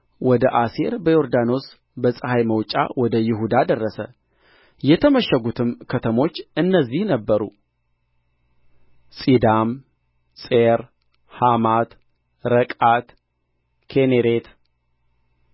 ወደ አሴር በዮርዳኖስም በፀሐይ መውጫ ወደ ይሁዳ ደረሰ የተመሸጉትም ከተሞች እነዚህ ነበሩ ጺዲም ጼር ሐማት ረቃት ኬኔሬት